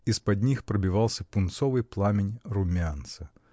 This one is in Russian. Из-под них пробивался пунцовый пламень румянца.